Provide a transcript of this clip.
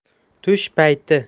tush payti